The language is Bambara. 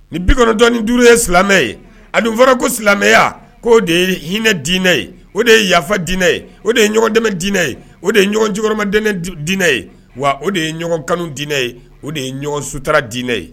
Ni bitɔnkɔnɔdɔi duuru ye silamɛ ye ani fɔra ko silamɛya ko de ye hinɛinɛ diinɛ ye o de ye yafa diinɛ ye o de ye ɲɔgɔndmɛ diinɛ ye o de ye ɲɔgɔn cmadinɛɛ diinɛ ye wa o de ye ɲɔgɔn kan diinɛ ye o de ye ɲɔgɔn suta diinɛ ye